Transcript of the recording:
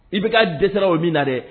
I bɛ ka dɛsɛseraw o bɛ na dɛ